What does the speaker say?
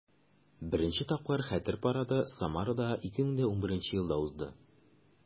Беренче тапкыр Хәтер парады Самарада 2011 елда узды.